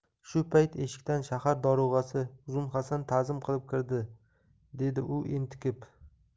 shu payt eshikdan shahar dorug'asi uzun hasan tazim qilib kirdi dedi u entikib